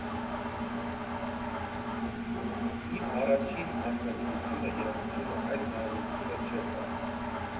Իմ առաջին մասնագիտությունը՝ երաժշտությունը, այդ հնարավորությունը չէր տալիս։